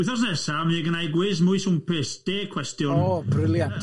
Wythnos nesa mi'dd gynna i gwis mwy swmpus, deg cwestiwn. O, brilliant!